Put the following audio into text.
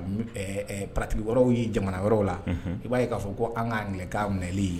Ɛɛtigi yɔrɔw ye jamana yɔrɔw la i b'a ye'a fɔ ko an ka nɛgɛ ka minɛli ye